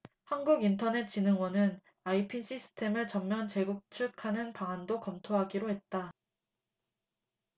한국인터넷진흥원은 아이핀 시스템을 전면 재구축하는 방안도 검토하기로 했다